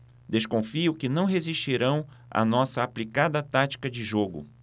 desconfio que não resistirão à nossa aplicada tática de jogo